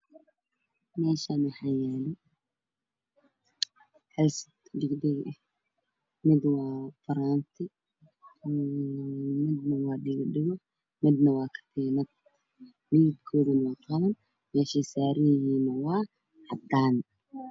Meshan waxyalo sed dhego ah mida waa faranti midan dhego midan waa katiinad midabkode waa qalin mesha eey saranyahiin waa cadan